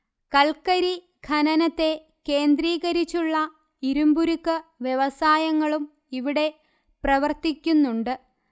കൽക്കരി ഖനനത്തെ കേന്ദ്രീകരിച്ചുള്ള ഇരുമ്പുരുക്ക് വ്യവസായങ്ങളും ഇവിടെ പ്രവർത്തിക്കുന്നുണ്ട്